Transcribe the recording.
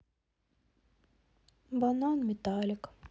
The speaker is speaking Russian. банан металик